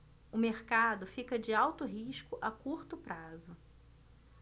o mercado fica de alto risco a curto prazo